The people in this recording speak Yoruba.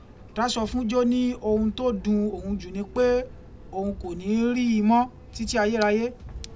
Dáṣọfúnjó ní ohun tó dun òun jù ni pé òun kò níí rí i mọ́ títí ayérayé.